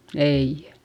ei